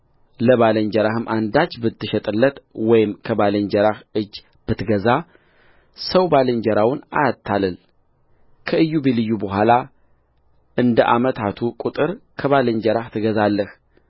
ለባልንጀራህም አንዳች ብትሸጥለት ወይም ከባልንጀራህ እጅ ብትገዛ ሰው ባልንጀራውን አያታልልከኢዮቤልዩ በኋላ እንደ ዓመታቱ ቍጥር ከባልንጀራህ ትገዛለህ